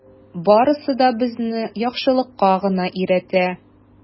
Барысы да безне яхшылыкка гына өйрәтә.